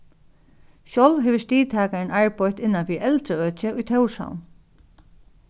sjálv hevur stigtakarin arbeitt innanfyri eldraøkið í tórshavn